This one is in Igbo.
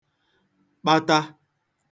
kpata